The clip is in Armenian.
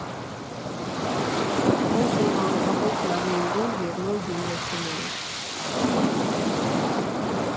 Մուրճ ու մանգաղով ֆլամինգոն և նոր գյումրեցիները։